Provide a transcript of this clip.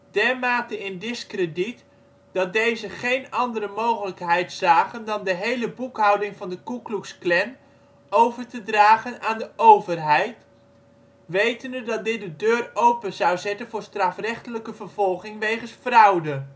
dermate in diskrediet dat deze geen andere mogelijkheid zagen dan de hele boekhouding van de Ku Klux Klan over te dragen aan de overheid, wetende dat dit de deur open zou zetten voor strafrechtelijke vervolging wegens fraude